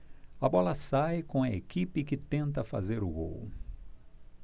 a bola sai com a equipe que tenta fazer o gol